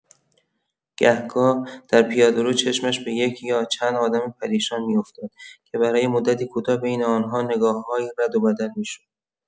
گه‌گاه در پیاده‌رو چشمش به یک یا چند آدم پریشان می‌افتاد که برای مدتی کوتاه بین آن‌ها نگاه‌هایی رد و بدل می‌شد.